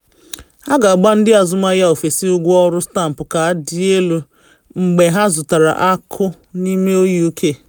A ga-agba ndị azụmahịa ofesi ụgwọ ọrụ stampụ ka dị elu mgbe ha zụtara akụ n’ime UK